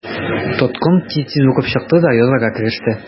Тоткын тиз-тиз укып чыкты да язарга кереште.